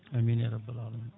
amine ya rabbal alamina